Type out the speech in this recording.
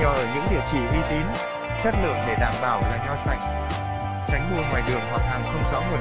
nên tìm mua nho ở những địa chỉ uy tín chất lượng để đảm bảo là nho sạch tránh mua ngoài đường hoặc hàng không rõ nguồn gốc